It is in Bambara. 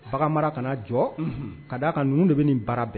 Bagan mara ka na jɔ ka d'a kanun de bɛ nin bara bɛɛ